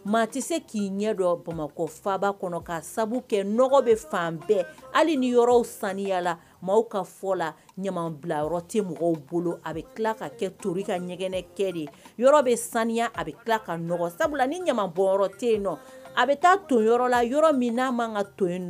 K' bamakɔ kɔnɔ ka kɛ bɛ fan bɛɛ hali ni yɔrɔ saniya la maa ka fɔ la ɲama bila tɛ mɔgɔw bolo a bɛ tila ka kɛ to ka ɲɛgɛnɛnɛ kɛ de yɔrɔ bɛ saniya a bɛ tila ka sabula ni ɲama bɔ te a bɛ taa to la yɔrɔ min n'a ma kan ka to